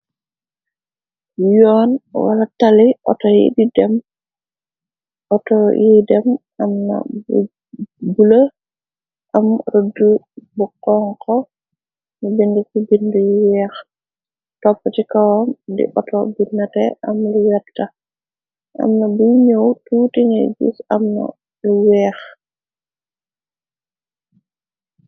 Yoon wala tali atoeauto yiy dem am na bulë am rudd bu conko. Nu bind ci bind yu weex topp ci kawam di auto bi nate. Am lu wetta amna buy ñëw tuuti ngay juus amna lu weex.